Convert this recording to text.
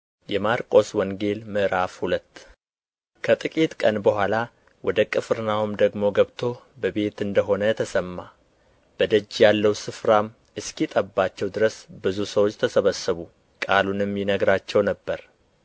የማርቆስ ወንጌል ምዕራፍ ሁለት ከጥቂት ቀን በኋላ ወደ ቅፍርናሆም ደግሞ ገብቶ በቤት እንደ ሆነ ተሰማ በደጅ ያለው ስፍራም እስኪጠባቸው ድረስ ብዙ ሰዎች ተሰበሰቡ ቃሉንም ይነግራቸው ነበር